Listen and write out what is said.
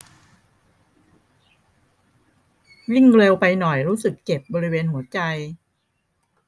วิ่งเร็วไปหน่อยรู้สึกเจ็บบริเวณหัวใจ